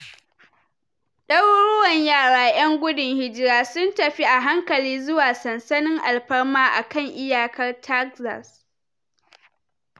Daruruwan yara 'Yan gudun hijira sun tafi a hankali zuwa sansanin alfarma a kan iyakar Texas